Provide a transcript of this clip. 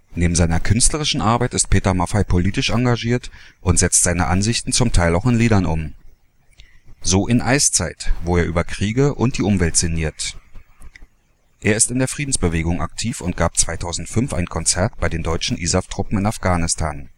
Neben seiner künstlerischen Arbeit ist Peter Maffay politisch engagiert und setzt seine Ansichten zum Teil auch in Liedern um. So in Eiszeit, wo er über Kriege und die Umwelt sinniert. Er ist in der Friedensbewegung aktiv und gab 2005 ein Konzert bei den deutschen ISAF-Truppen in Afghanistan